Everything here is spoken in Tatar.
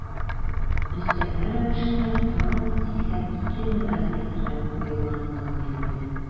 Өстәмә рәвештә тагын 82 медаль әзерләп куелганлыгы билгеле.